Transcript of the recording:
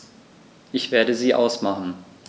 Ich werde sie ausmachen.